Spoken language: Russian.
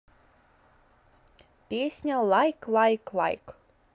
песня лайк лайк лайк